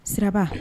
Siraba